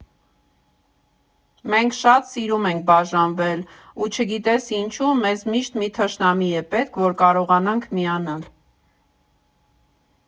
Մենք շատ սիրում ենք բաժանվել, ու չգիտես՝ ինչու մեզ միշտ մի թշնամի է պետք, որ կարողանանք միանալ։